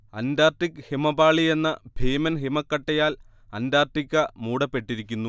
Antarctic ഹിമപാളി എന്ന ഭീമൻ ഹിമക്കട്ടയാൽ അന്റാർട്ടിക്ക മൂടപ്പെട്ടിരിക്കുന്നു